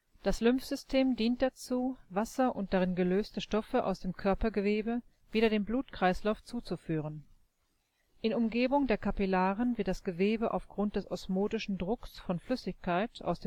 Das Lymphsystem dient dazu, Wasser und darin gelöste Stoffe aus dem Körpergewebe wieder dem Blutkreislauf zuzuführen. In Umgebung der Kapillaren wird das Gewebe aufgrund des osmotischen Drucks von Flüssigkeit aus